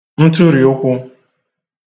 ntụrị̀ụkwụ̄